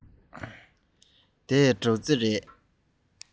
འདི སྒྲོག རྩེ རེད